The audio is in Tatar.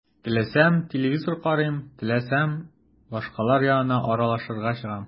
Теләсәм – телевизор карыйм, теләсәм – башкалар янына аралашырга чыгам.